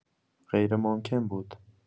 غیرممکن بود.